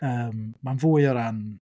Yym mae'n fwy o ran...